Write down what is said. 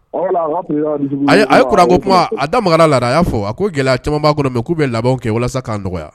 A ye ko ko kuma a da la a y'a fɔ a ko gɛlɛya caman b'a kɔnɔ k'u bɛ laban kɛ walasa k' nɔgɔya